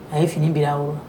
A ye fini bila a wooro la